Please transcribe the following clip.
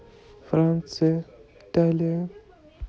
франция италия